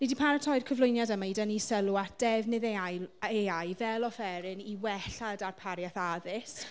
Ni 'di paratoi'r cyflwyniad yma i dynnu sylw at defnydd AI AI fel offeryn i wella darpariaeth addysg.